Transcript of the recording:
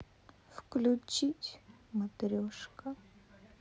включить матрешка